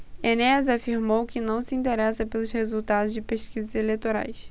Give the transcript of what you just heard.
enéas afirmou que não se interessa pelos resultados das pesquisas eleitorais